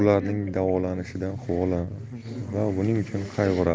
ularning davolanishidan quvonadi va buning uchun qayg'uradi